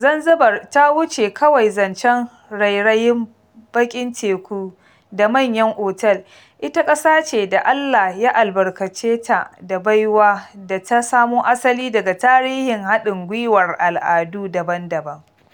Zanzibar ta wuce kawai zancen rairayin bakin teku da manyan otel - ita ƙasa ce da Allah ya albarkace ta da baiwa da ta samo asali daga tarihin haɗin gwiwar al'adu daban-daban